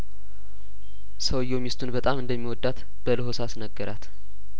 ሰውዬው ሚስቱን በጣም እንደሚወዳት በለሆሳ ስነገራት